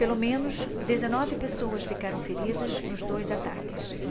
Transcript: pelo menos dezenove pessoas ficaram feridas nos dois ataques